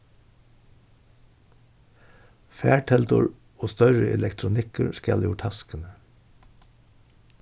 farteldur og størri elektronikkur skal úr taskuni